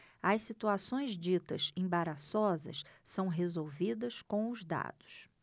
as situações ditas embaraçosas são resolvidas com os dados